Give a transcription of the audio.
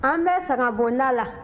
an bɛ sangabonda la